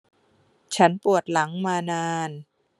ฉันปวดหลังมานาน